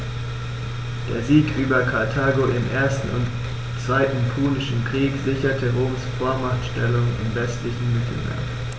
Der Sieg über Karthago im 1. und 2. Punischen Krieg sicherte Roms Vormachtstellung im westlichen Mittelmeer.